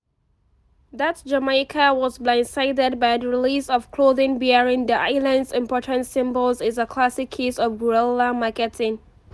That Jamaica was blindsided by the release of clothing bearing the island’s important symbols is a classic case of guerilla marketing.